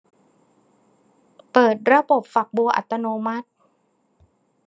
เปิดระบบฝักบัวอัตโนมัติ